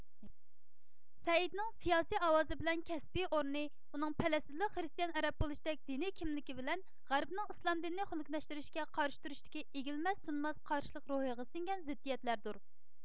سەئىدنىڭ سىياسىي ئاۋازى بىلەن كەسپىي ئورنى ئۇنىڭ پەلەسىتىنلىك خرىستىيان ئەرەب بولۇشتەك دىنىي كىملىكى بىلەن غەربنىڭ ئىسلام دىنىنى خۇنۇكلەشتۈرۈشكە قارشى تۇرۇشتىكى ئېگىلمەس سۇنماس قارشىلىق روھىغا سىڭگەن زىددىيەتلەردۇر